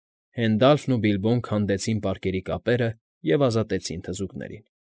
Հենդալֆն ու Բիլբոն քանդեցին պարկերի կապերը և ազատեցին թզուկներին։